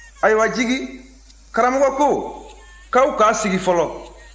ayiwa jigi karamɔgɔ ko k'aw k'aw sigi fɔlɔ